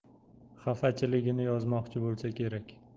xafachiligini yozmoqchi bo'lsa kerak